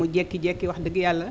mu jékki jékki wax dëgg yàlla